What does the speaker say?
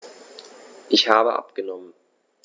Ich habe abgenommen.